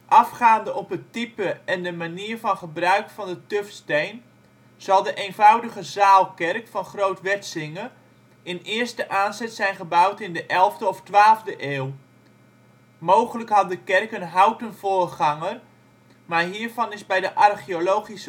Afgaande op het type en de manier van gebruik van de tufsteen zal de eenvoudige zaalkerk van Groot Wetsinge in eerste aanzet zijn gebouwd in de 11e of 12e eeuw. Mogelijk had de kerk een houten voorganger, maar hiervan is bij de archeologische